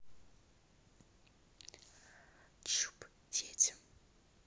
чуб детям